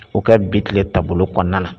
U ka bi tilen taabolo kɔnɔna na